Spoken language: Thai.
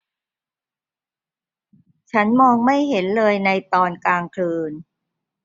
ฉันมองไม่เห็นเลยในตอนกลางคืน